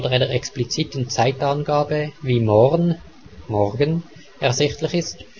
expliziten Zeitangabe (wie moorn, morgen) ersichtlich ist